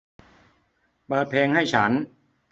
เปิดเพลงให้ฉัน